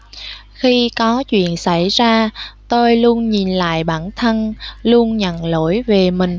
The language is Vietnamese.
khi có chuyện xảy ra tôi luôn nhìn lại bản thân luôn nhận lỗi về mình